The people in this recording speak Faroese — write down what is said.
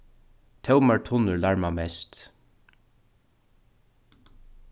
tómar tunnur larma mest